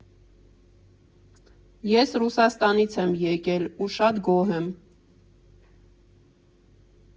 Ես Ռուսաստանից եմ եկել, ու շատ գոհ եմ։